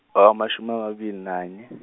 ngowamashumi amabili nanye.